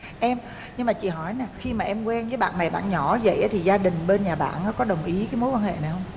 em nhưng mà chị hỏi nè khi mà em quen với bạn này bạn nhỏ vậy thì gia đình bên nhà bạn có đồng ý cái mối quan hệ này không